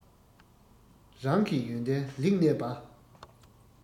རང གི ཡོན ཏན ལེགས གནས པ